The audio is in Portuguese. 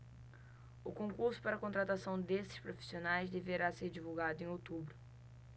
o concurso para contratação desses profissionais deverá ser divulgado em outubro